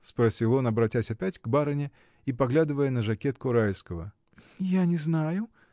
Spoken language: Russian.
— спросил он, обратясь опять к барыне и поглядывая на жакетку Райского. — Я не знаю!